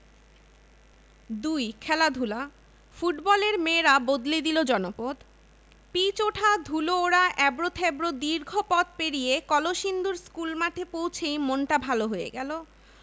০২ খেলাধুলা ফুটবলের মেয়েরা বদলে দিল জনপদ পিচ ওঠা ধুলো ওড়া এবড়োখেবড়ো দীর্ঘ পথ পেরিয়ে কলসিন্দুর স্কুলমাঠে পৌঁছেই মনটা ভালো হয়ে গেল